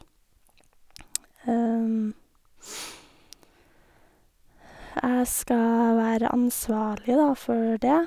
Jeg skal være ansvarlig, da, for det.